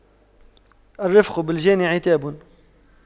الرفق بالجاني عتاب